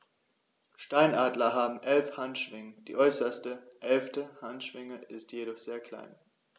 Steinadler haben 11 Handschwingen, die äußerste (11.) Handschwinge ist jedoch sehr klein.